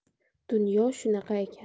dunyo shunaqa ekan